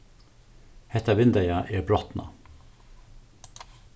hetta vindeygað er brotnað